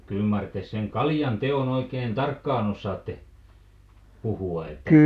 no kyllä mar te sen kaljan teon oikein tarkkaan osaatte puhua että